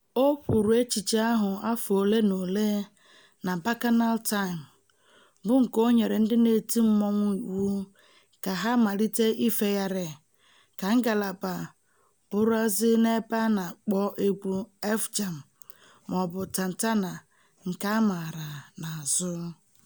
O kwuru echiche ahụ afọ ole na ole na "Bacchanal Time", bụ nke o nyere ndị na-eti mmọnwụ iwu ka ha "malite ifegharị" ka ngalaba bụrazị na-akpọ egwu "F-jam" ma ọ bụ "tantana" nke a maara n'azụ.